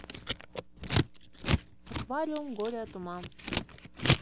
аквариум горе от ума